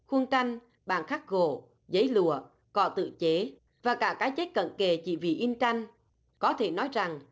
khuôn tranh bản khắc gỗ giấy lụa cỏ tự chế và cả cái chết cận kề chỉ vì in tranh có thể nói rằng